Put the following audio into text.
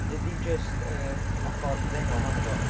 ddim jyst yr ochr hamddenol ohono fo.